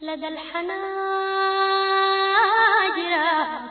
Ladɛlhanaaaadiya